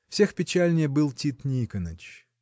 Всех печальнее был Тит Никоныч.